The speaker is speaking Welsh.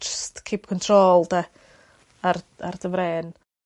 jst keep control 'de ar ar dy frên.